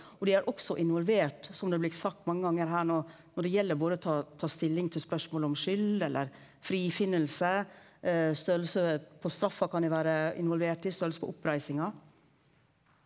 og dei er også involvert som det er blitt sagt mange gonger her nå når det gjeld både å ta ta stilling til spørsmål om skuld eller frifinning størrelse på straffa kan jo vere involvert i størrelse på oppreisinga.